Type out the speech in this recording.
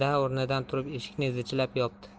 da o'rnidan turib eshikni zichlab yopdi